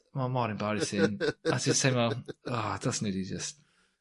ma' mor *embarrasin. A ti teimlo o dylsen i 'di jys...